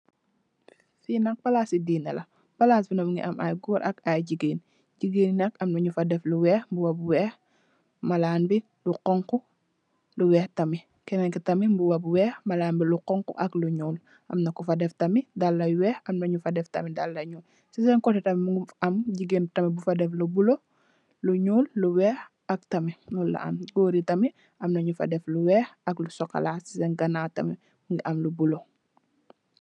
Fii nak palasi geena la palas bi nak mungi am ay goor ak ay jigeen. Jigeen yi nak amna nyufa def lu weex, mboba bu weex, malan bi bu xonxo, lu weex tamid. Kenenki tamid mboba bu weex malan bi lu xonxo ak lu ñuul . Amna kufa def tamid dalla yu weex amna nyufa def tamid dalla yu ñuul. Ci seen coteh tamid amna kufa def lu bulo, lu ñuul lu weex ak tamid lol la amm. Goor yi tamid am nyufa def lu weex ak lu sokola ci seen ganaw tamid mu ngi am lu bulo.